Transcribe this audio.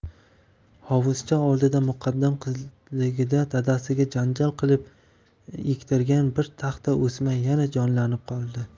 hovuzcha oldida muqaddam qizligida dadasiga janjal qilib ektirgan bir taxta o'sma yana jonlanib qoldi